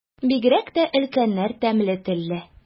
Бигрәк тә өлкәннәр тәмле телле.